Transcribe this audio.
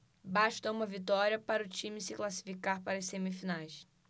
basta uma vitória para o time se classificar para as semifinais